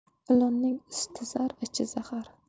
ilonning usti zar ichi zahar